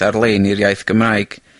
...ar lein i'r iaith Gymraeg.